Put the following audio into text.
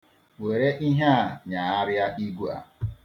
Were ihe a nyagharịa igwe a.